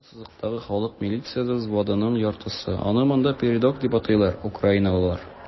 Алгы сызыктагы халык милициясе взводының яртысы (аны монда "передок" дип атыйлар) - украиналылар.